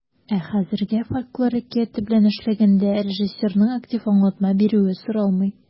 Ә хәзергә фольклор әкияте белән эшләгәндә режиссерның актив аңлатма бирүе соралмый.